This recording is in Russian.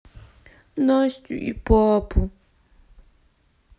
настю и папу